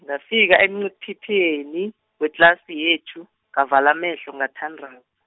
ngafika emciphepheni, wetlasi yethu, ngavala amehlo ngathandaza.